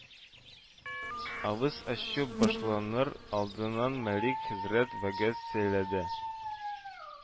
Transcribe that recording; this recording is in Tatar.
Авыз ачу башланыр алдыннан Мәлик хәзрәт вәгазь сөйләде